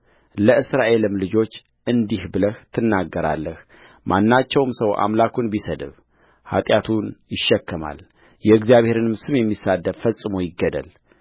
ለእስራኤልም ልጆች እንዲህ ብለህ ትነግራለህ ማናቸውም ሰው አምላኩን ቢሰድብ ኃጢአቱን ይሸከማልየእግዚአብሔርንም ስም የሚሰድብ ፈጽሞ ይገደል